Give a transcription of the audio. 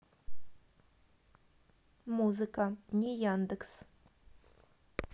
музыка не яндекс